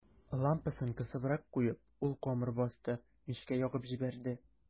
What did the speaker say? Лампасын кысыбрак куеп, ул камыр басты, мичкә ягып җибәрде.